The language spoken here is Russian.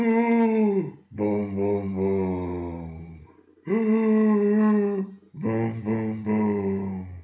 у-у-у-у-бум, бум, бум, у-у-у-у-бум, бум, бум.